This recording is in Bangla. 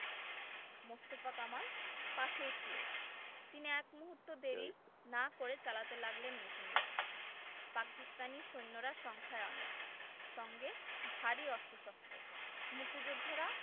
মোস্তফা কামাল পাশেই ছিলেন তিনি এক মুহূর্তও দেরি না করে চালাতে লাগলেন মেশিনগান পাকিস্তানি সৈন্যরা সংখ্যায় অনেক সঙ্গে ভারী অস্ত্রশস্ত্র মুক্তিযোদ্ধারা